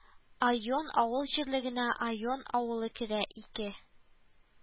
Айон авыл җирлегенә Айон авылы керә ике